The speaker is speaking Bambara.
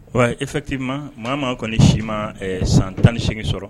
Wa efɛti ma maa ma kɔni si ma san tan nisegin sɔrɔ